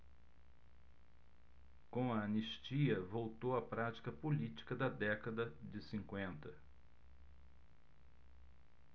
com a anistia voltou a prática política da década de cinquenta